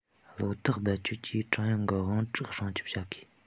བློ ཐག རྦད ཆོད ཀྱིས ཀྲུང དབྱང གི དབང གྲགས སྲུང སྐྱོང བྱ དགོས